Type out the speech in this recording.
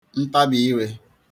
̄ntabi irē